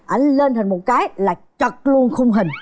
ảnh lên hình một cái là trật luôn khung hình